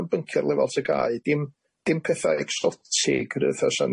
am byncia' ar lefel tygau dim dim petha' ecsotig rywbeth fysan